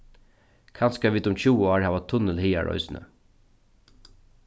kanska vit um tjúgu ár hava tunnil hagar eisini